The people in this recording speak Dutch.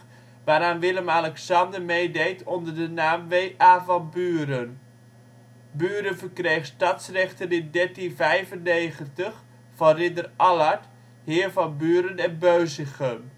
waaraan Willem-Alexander meedeed onder de naam W.A. van Buren. Buren verkreeg stadsrechten in 1395 van ridder Allard, heer van Buren en Beusichem